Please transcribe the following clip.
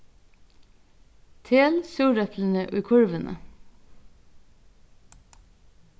tel súreplini í kurvini